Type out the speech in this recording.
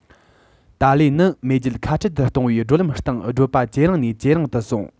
ཏཱ ལའི ནི མེས རྒྱལ ཁ བྲལ དུ གཏོང བའི བགྲོད ལམ སྟེང བགྲོད པ ཇེ རིང ནས ཇེ རིང དུ སོང